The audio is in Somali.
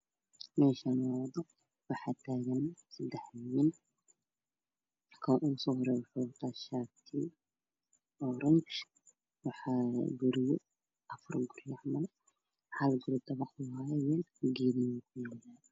Meeshan waa wado waxaa tagan sadex niman kan ugu soo horeeyo waxa uu wataa shaati oronge afar guri camal hal guri dabaq waaye geedna wuu kuyalaa